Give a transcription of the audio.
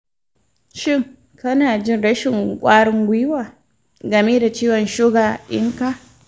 shin kana jin rashin ƙwarin gwiwa game da ciwon suga ɗinka?